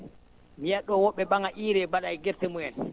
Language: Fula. mi yiyat ɗoo yoɓɓe ɓaŋa ɗoo UREE mbaɗa e gerte mu'en